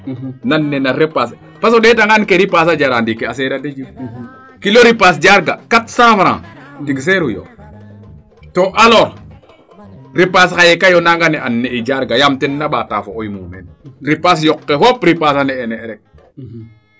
nan nena parce que o ndeeta ngaan ke ripasa jara ndiiki a cher a de Djiby kilo ripas yaaga 100 francs tig cher uyo to alors ripas xaye o naanga ne'an ne 'i jaarga yaam ten na mbaata fo'oy mumeen pipaas yoqe fop ripas a ne'e ne rek